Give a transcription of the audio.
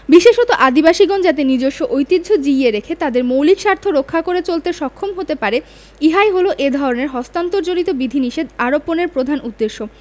বিশেষত আদিবাসীগণ যাতে নিজস্ব ঐতিহ্য জিইয়ে রেখে তাদের মৌলিক স্বার্থ রক্ষা করে চলতে সক্ষম হতে পারে ইহাই হল এ ধরনের হস্তান্তরজনিত বিধিনিষেধ আরোপনের প্রধান উদ্দেশ্য